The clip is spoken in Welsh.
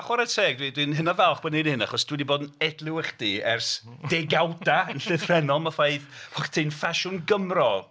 Chwarae teg dwi dwi'n hynod falch bod ni'n neud hyn achos dwi 'di bod yn edliw i chdi ers degawda yn llythrenol am y ffaith bo' chdi'n ffasiwn Gymro.